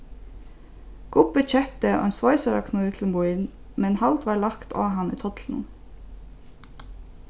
gubbi keypti ein sveisaraknív til mín men hald varð lagt á hann í tollinum